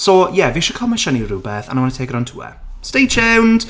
So, ie. Fi isie comisiynu rhywbeth and I want to take it on tour. Stay tuned!